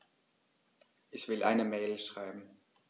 Ich will eine Mail schreiben.